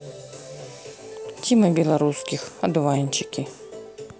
тима белорусских одуванчики